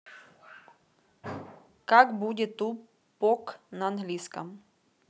как будет тупок на английском